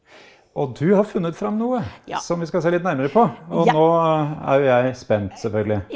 og du har funnet fram noe som vi skal se litt nærmere på og nå er jo jeg spent selvfølgelig.